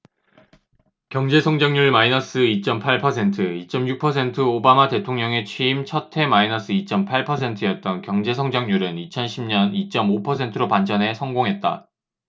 경제성장률 마이너스 이 쩜 팔 퍼센트 이 쩜 육 퍼센트 오바마 대통령의 취임 첫해 마이너스 이 쩜 팔 퍼센트였던 경제 성장률은 이천 십 년 이 쩜 오 퍼센트로 반전에 성공했다